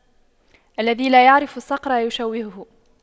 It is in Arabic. الذي لا يعرف الصقر يشويه